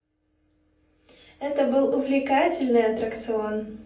это был увлекательный аттракцион